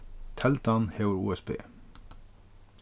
teldan hevur usb